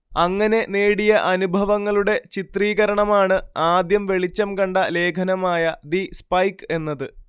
അങ്ങനെ നേടിയ അനുഭവങ്ങളുടെ ചിത്രീകരണമാണ് ആദ്യം വെളിച്ചം കണ്ട ലേഖനമായ ദി സ്പൈക്ക് എന്നത്